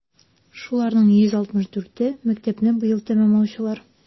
Шуларның 164е - мәктәпне быел тәмамлаучылар.